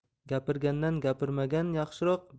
gapirgandan gapirmagan yaxshiroq